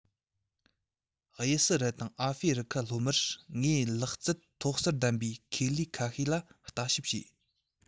དབྱི སི རལ དང ཨ ཧྥེ རི ཁ ལྷོ མར ངས ལག རྩལ མཐོ གསར ལྡན པའི ཁེ ལས ཁ ཤས ལ ལྟ ཞིབ བྱས